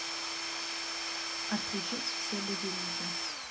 отключить все будильники